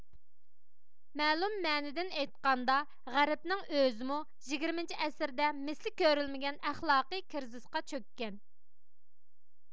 مەلۇم مەنىدىن ئېيتقاندا غەربنىڭ ئۆزىمۇ يىگىرمىنچى ئەسىردە مىسلى كۆرۈلمىگەن ئەخلاقىي كرىزىسقا چۆككەن